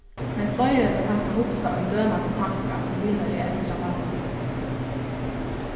men fleiri høvdu kanska hugsað ein dømandi tanka um vinarliga eldra mannin